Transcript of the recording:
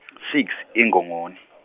six, Ingongoni.